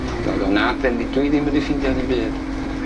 Do do na 'dyn ni dwi ddim wedi ffindio ddim byd.